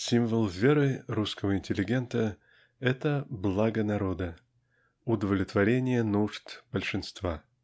Символ веры русского интеллигента есть благо народа удовлетворение нужд "большинства".